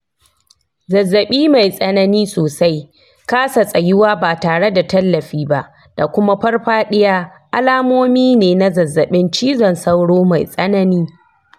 zazzaɓi mai tsanani sosai, kasa tsayuwa ba tare da tallafi ba, da kuma farfaɗiya alamomi ne na zazzaɓin cizon sauro mai tsanani.